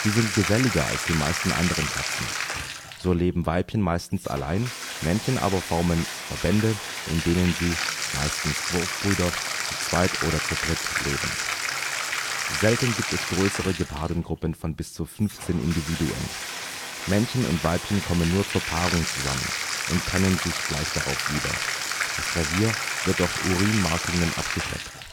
sind geselliger als die meisten anderen Katzen. So leben Weibchen meistens allein, Männchen aber formen Verbände, in denen sie (meistens Wurfbrüder) zu zweit oder dritt leben. Selten gibt es größere Gepardengruppen von bis zu 15 Individuen. Männchen und Weibchen kommen nur zur Paarung zusammen und trennen sich gleich darauf wieder. Das Revier wird durch Urinmarkierungen abgesteckt